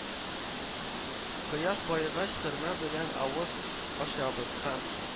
Кояш баегач хөрмә белән авыз ачабыз һәм